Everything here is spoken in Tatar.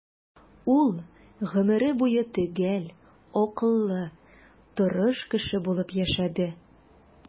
Ул гомере буе төгәл, акыллы, тырыш кеше булып яшәде.